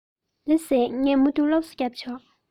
ལགས སོ ངས མུ མཐུད སློབ གསོ རྒྱབ ཆོག